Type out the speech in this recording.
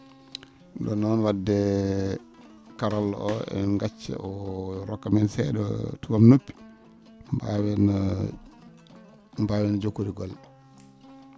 ?um ?oon noon wadde karalla o en gacca o rokka men see?a toon noppi mbaawen mbaawen jokkude golle